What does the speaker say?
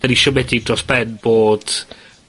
'Dan ni siomedig dros ben bod